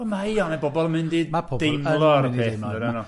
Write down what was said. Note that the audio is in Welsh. O, mae o, mae bobl yn mynd i deimlo ar y peth, yn dyden nhw.